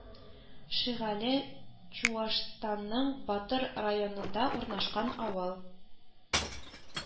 Шигали Чуашстанның Батыр районында урнашкан авыл